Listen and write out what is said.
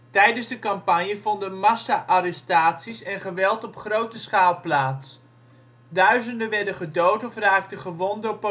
Tijdens de campagne vonden massa-arrestaties en geweld op grote schaal plaats. Duizenden werden gedood of raakten gewond door politiekogels